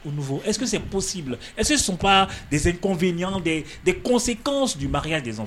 O fɔ epsebosi bila ɛse sun desefi de dese jubakɛya de